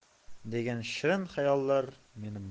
degan shirin xayollar